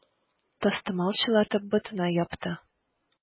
Тастымал чылатып, ботына япты.